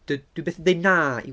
d- dwi byth yn deud na i...